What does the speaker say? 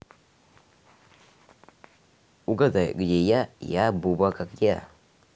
угадай где я я буба как я